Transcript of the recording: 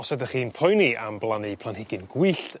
os ydych chi'n poeni am blannu planhigyn gwyllt